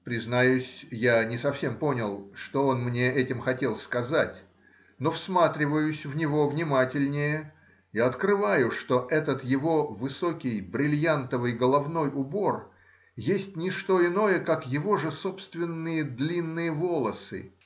Признаюсь, я не совсем понял, что он мне этим хотел сказать, но всматриваюсь в него внимательнее — и открываю, что этот его высокий бриллиантовый головной убор есть не что иное, как его же собственные длинные волосы